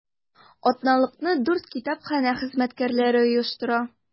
Атналыкны дүрт китапханә хезмәткәрләре оештыра.